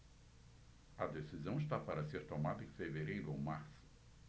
a decisão está para ser tomada em fevereiro ou março